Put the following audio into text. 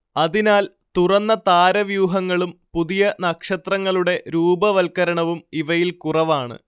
അതിനാൽ തുറന്ന താരവ്യൂഹങ്ങളും പുതിയ നക്ഷത്രങ്ങളുടെ രൂപവൽകരണവും ഇവയിൽ കുറവാണ്